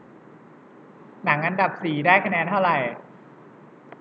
หนังอันดับสี่ได้คะแนนเท่าไหร่